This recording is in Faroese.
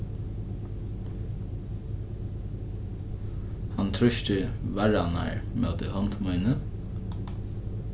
hann trýsti varrarnar móti hond míni